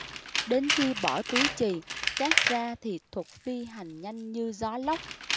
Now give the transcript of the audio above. đến khi bỏ túi chì cát ra thì thuật phi hành nhanh như gió lốc